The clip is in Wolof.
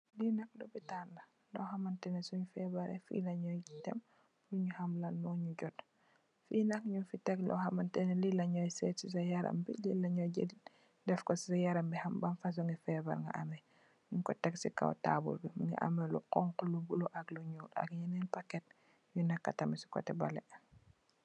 Fii nak lopitan la, lor hamanteh neh sungh febarreh fii leh njui dem pur nju ham lan mor nju jot, fii nak njung fii tek lor hamanteh neh lii leh njoi sehtt cii sa yaram bii, lii leh njoi jeul defkor cii yaram bii ham ban fasoni febarr nga ameh, njung kor tek cii kaw taabul bii, mungy ameh lu khonku, lu bleu, ak lu njull, ak yenen packet yu neka cii coteh behleh.